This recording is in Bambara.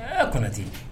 Ee ko tɛ